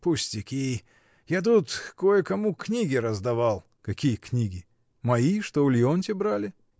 — Пустяки: я тут кое-кому книги раздавал. — Какие книги? Мои, что у Леонтья брали?